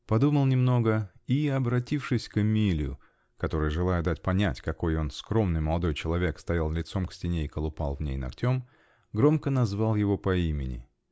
-- подумал немного и, обратившись к Эмилю, который, желая дать понять, какой он скромный молодой человек, стоял лицом к стене и колупал в ней ногтем, -- громко назвал его по имени.